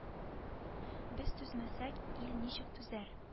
Без түзмәсәк ил ничек түзәр